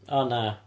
O, na.